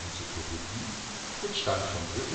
Sloboda, 1985